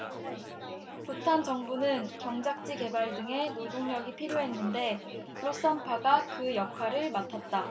부탄 정부는 경작지 개발 등에 노동력이 필요했는데 롯삼파가 그 역할을 맡았다